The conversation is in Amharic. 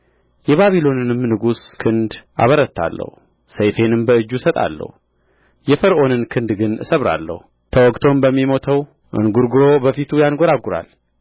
የባቢሎንንም ንጉሥ ክንድ አበረታለሁ ሰይፌንም በእጁ እሰጣለሁ የፈርዖንን ክንድ ግን እሰብራለሁ ተወግቶም በሚሞተው እንጕርጕሮ በፊቱ ያንጐራጕራል